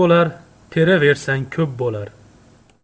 bo'lar teraversang ko'p bo'lar